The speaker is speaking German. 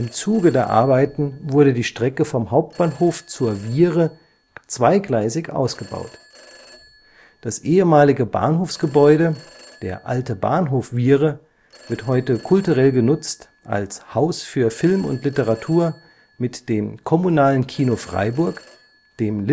Zuge der Arbeiten wurde die Strecke vom Hauptbahnhof zur Wiehre zweigleisig ausgebaut. Das ehemalige Bahnhofsgebäude, der Alte Bahnhof Wiehre wird heute kulturell genutzt, als Haus für Film und Literatur mit dem Kommunalen Kino Freiburg, dem